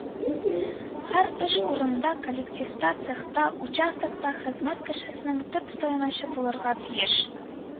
Һәр эш урынында, коллективта, цехта, участокта хезмәт кешесенең төп таянычы булырга тиеш